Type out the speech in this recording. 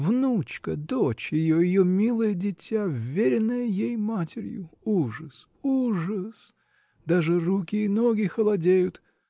внучка, дочь ее, ее милое дитя, вверенное ей матерью: ужас, ужас! Даже руки и ноги холодеют.